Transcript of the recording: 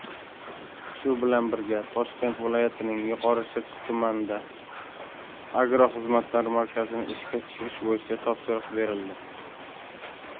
shu bilan birga toshkent viloyatining yuqori chirchiq tumanida agroxizmatlar markazini ishga tushirish bo'yicha topshiriq berildi